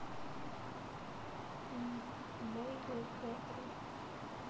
miguel петро